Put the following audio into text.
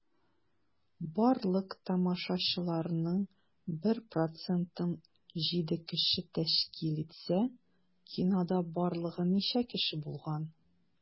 Барлык тамашачыларның 1 процентын 7 кеше тәшкил итсә, кинода барлыгы ничә кеше булган?